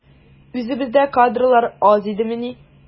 Үзебездә кадрлар аз идемени?